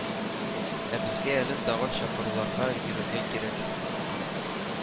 Ә безгә әле тагын чакыруларга йөрергә кирәк